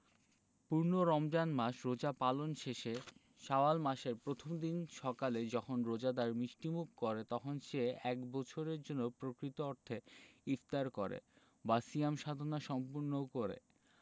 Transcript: পূর্ণ রমজান মাস রোজা পালন শেষে শাওয়াল মাসের প্রথম দিন সকালে যখন রোজাদার মিষ্টিমুখ করে তখন সে এক বছরের জন্য প্রকৃত অর্থে ইফতার করে বা সিয়াম সাধনা সম্পূর্ণ করে